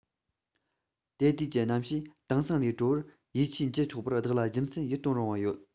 དེ དུས ཀྱི གནམ གཤིས དེང སང ལས དྲོ བར ཡིད ཆེས བགྱི ཆོག པར བདག ལ རྒྱུ མཚན ཡིད རྟོན རུང བ ཡོད